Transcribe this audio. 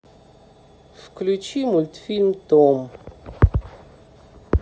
включить мультфильм том